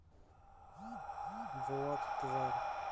влад тварь